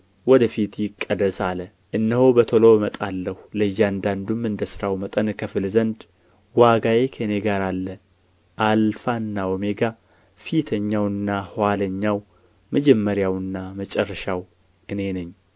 ወደፊት ይቀደስ አለ እነሆ በቶሎ እመጣለሁ ለእያንዳንዱም እንደ ሥራው መጠን እከፍል ዘንድ ዋጋዬ ከእኔ ጋር አለ አልፋና ዖሜጋ ፊተኛውና ኋለኛው መጀመሪያውና መጨረሻው እኔ ነኝ